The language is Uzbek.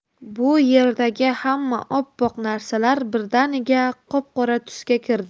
bu yerdagi hamma oppoq narsalar birdaniga qop qora tusga kirdi